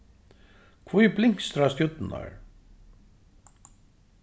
hví blinkstra stjørnurnar